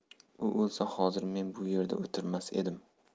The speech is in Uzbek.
u o'lsa hozir men bu yerda o'tirmas edim